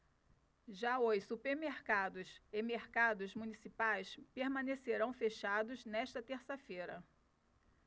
já os supermercados e mercados municipais permanecerão fechados nesta terça-feira